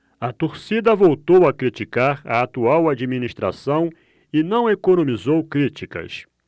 a torcida voltou a criticar a atual administração e não economizou críticas